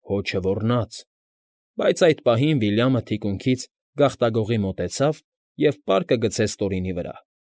Հո չոռնա՜ց։ Բայց այդ պահին Վիլյամը թիկունքից գաղտագողի մոտեցավ և պարկը գցեց Տորինի վրա։